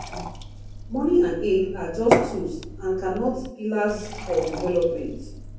Money and aid are just tools and can not pillars for development.